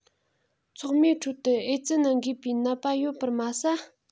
ཚོགས མིའི ཁྲོད དུ ཨེ ཙི ནད འགོས པའི ནད པ ཡོད པར མ ཟད